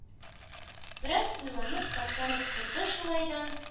Бераз уйланып, таптанып торды, шулай да